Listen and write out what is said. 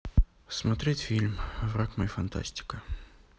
смотреть фильм враг мой фантастика